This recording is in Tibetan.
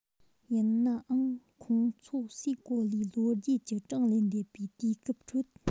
ཡིན ནའང ཁོང ཚོ སའི གོ ལའི ལོ རྒྱུས ཀྱི གྲངས ལས འདས པའི དུས སྐབས ཁྲོད